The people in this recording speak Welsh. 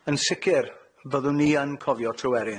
Yn sicir, byddwn ni yn cofio Tryweryn.